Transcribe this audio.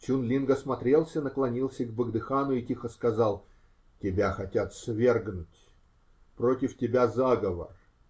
Чун-Линг осмотрелся, наклонился к богдыхану и тихо сказал: -- Тебя хотят свергнуть. Против тебя заговор.